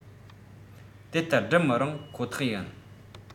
དེ ལྟར བསྒྲུབ མི རུང ཁོ ཐག ཡིན